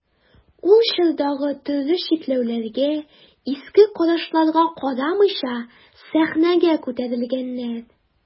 Ул чордагы төрле чикләүләргә, иске карашларга карамыйча сәхнәгә күтәрелгәннәр.